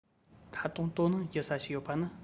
ད དུང དོ སྣང བགྱི ས ཞིག ཡོད པ ནི